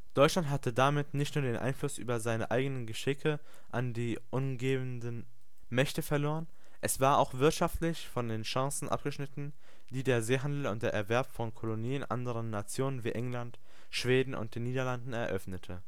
Deutschland hatte damit nicht nur den Einfluss über seine eigenen Geschicke an die umgebenden Mächte verloren, es war auch wirtschaftlich von den Chancen abgeschnitten, die der Seehandel und der Erwerb von Kolonien anderen Nationen wie England, Schweden und den Niederlanden eröffnete